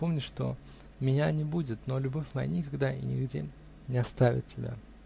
помни, что меня не будет, но любовь моя никогда и нигде не оставит тебя.